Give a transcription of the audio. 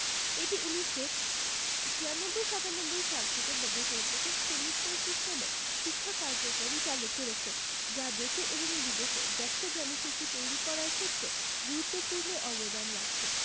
এটি ১৯৯৬ ৯৭ সাল থেকে দেশের প্রথম সেমিস্টার সিস্টেমে শিক্ষা কার্যক্রম চালু করেছে যা দেশে এবং বিদেশে দক্ষ জনশক্তি তৈরি করার ক্ষেত্রে গুরুত্বপূর্ণ অবদান রাখছে